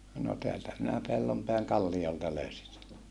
no täältä minä Pellonpään kalliolta löysin sen